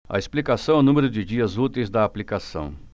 a explicação é o número de dias úteis da aplicação